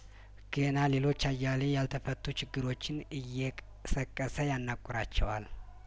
ገና ሌሎች አያሌ ያልተፈቱ ችግሮችን እየቀሰቀሰያና ቁራቸዋል